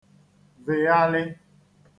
vịghalị̄